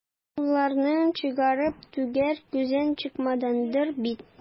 Аш-суларыңны чыгарып түгәргә күзең чыкмагандыр бит.